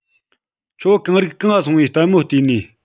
ཁྱོད གང རིགས གང ང སོང ངས ལྟད མོ བལྟས ནིས